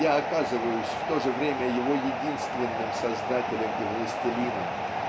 я оказываюсь в то же время его единственным создателем и властелином.